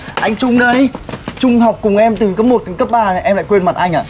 anh trung đây trung học cùng em từ cấp một đến cấp ba em lại quên mặt anh à